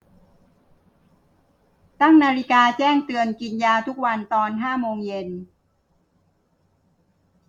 ตั้งนาฬิกาแจ้งเตือนกินยาทุกวันตอนห้าโมงเย็น